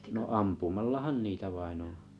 no ampumallahan niitä vain on